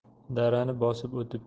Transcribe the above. darani bosib o'tib